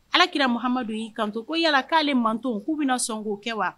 Alakirahamadu y'i kanto ko yala k'ale mant k'u bɛna na sɔn k'o kɛ wa